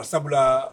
Ma sabula